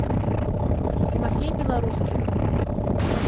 тимофей белорусских